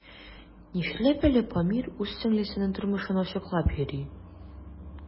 Нишләп әле Памир үз сеңлесенең тормышын ачыклап йөри?